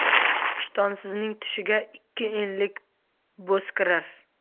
ishtonsizning tushiga ikki enlik bo'z kirar